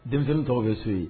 Denmisɛnw tɔgɔ bɛ so ye